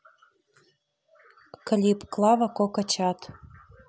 клип клава кока чат